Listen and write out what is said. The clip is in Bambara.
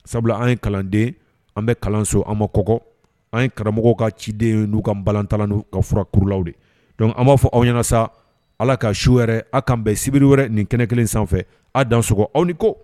Sabula an ye kalanden an bɛ kalanso an ma kɔ an karamɔgɔ ka ciden n'u ka balatala nu ka furakurulaw de dɔnkuc an b'a fɔ aw ɲɛna sa ala ka su wɛrɛ aw kaan bɛn sibiri wɛrɛ ni kɛnɛ kelen sanfɛ a dan sɔgɔ aw ni ko